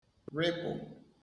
rịpụ̀